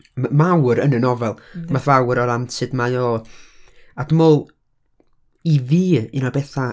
m- mawr yn y nofel. Rywbeth mawr o ran sut mae o, a dwi meddwl, i fi, un o'r bethau